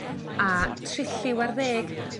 a trilliw ar ddeg